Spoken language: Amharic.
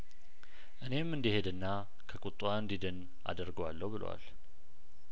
እኔም እንዲሄድና ከቁጣዋ እንዲድን አደርገዋለሁ ብለዋል